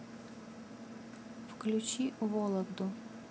включи вологду